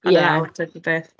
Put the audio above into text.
Ie ...Hanner awr type o beth.